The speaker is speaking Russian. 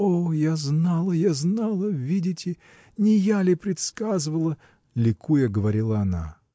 — О, я знала, я знала — видите! Не я ли предсказывала? — ликуя, говорила она.